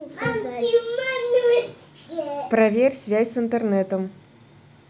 проверь связь с интернетом